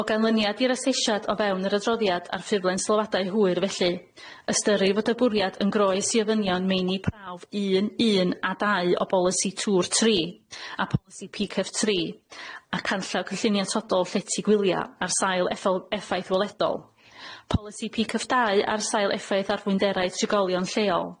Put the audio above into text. O ganlyniad i'r asesiad o fewn yr adroddiad ar ffurflen sylwadau hwyr felly ystyri fod y bwriad yn groes i ofynion meini prawf un un a dau o bolisi twr tri a polisi pee ceff tri a canllaw cylluniantodol llety gwylia ar sail effe- effaith weledol, polisi pee ceff dau ar sail effaith ar fwynderau trigolion lleol.